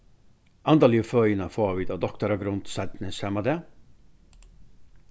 andaligu føðina fáa vit á doktaragrund seinni sama dag